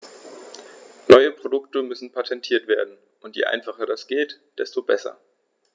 Neue Produkte müssen patentiert werden, und je einfacher das geht, desto besser.